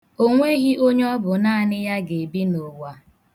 O nweghị onye ọ bụ naanị ya ga-ebi n' ụwa.